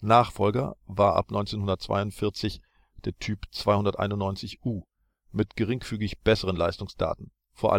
Nachfolger war ab 1942 Typ 291U, mit geringfügig besseren Leistungsdaten, vor